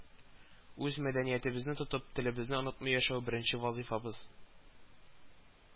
Үз мәдәниятебезне тотып, телебезне онытмый яшәү беренче вазифабыз